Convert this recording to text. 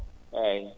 eeyi